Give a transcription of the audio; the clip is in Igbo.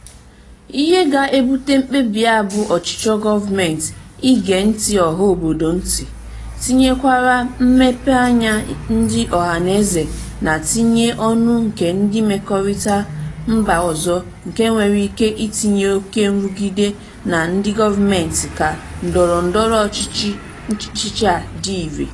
ZR: Ihe ga-ebute mkpebi a bụ ọchịchọ gọọmentị ị gee ndị ọhaobodo ntị, tinyekwara mmepeanya ndị ọhanaeze na ntinye ọnụ nke ndị mmekọrịta mba ọzọ nke nwere ike itinye oke nrụgide na ndị gọọmentị ka ndọrọndọrọ ọchịchị a dị irè.